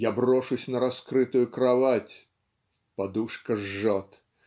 Я брошусь на раскрытую кровать, Подушка жжет